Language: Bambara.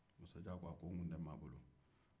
masajan ko n tun tɛ maa bolo